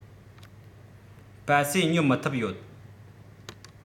སྤ སེ ཉོ མི ཐུབ ཡོད